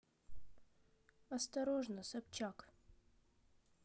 осторожно собчак